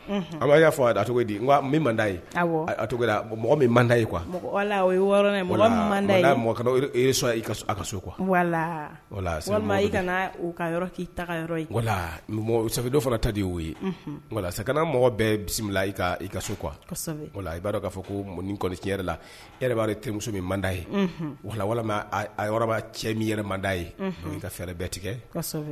Aba y'a fɔ a cogo di ye a cogo mɔgɔ man ye ka so wala walima ka ka ki wala dɔ fana ta de ye nka sa kana mɔgɔ bɛɛ bisimila i ka ka so qu wala i b'a dɔn k'a fɔ ko mɔni kɔni ci la e b'a terimuso min man ye wala walima cɛ min yɛrɛ ma ye ka fɛɛrɛ bɛɛ tigɛ